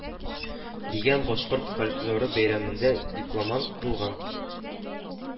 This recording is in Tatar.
Дигән башкорт фольклоры бәйрәмендә дипломант булган